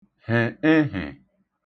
hè ehè